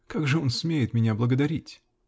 Как же он смеет меня благодарить?